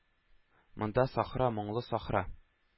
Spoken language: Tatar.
Монда сахра, моңлы сахра..